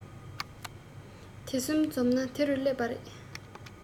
དེ གསུམ འཛོམས ན དེ རུ སླེབས པ རེད